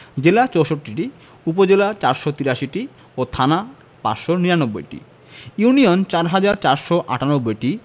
জেলা ৬৪টি উপজেলা ৪৮৩টি ও থানা ৫৯৯টি ইউনিয়ন ৪হাজার ৪৯৮টি